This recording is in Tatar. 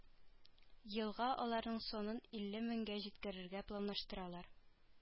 Елга аларның санын илле меңгә җиткерергә планлаштыралар